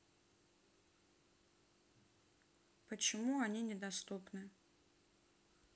почему они недоступны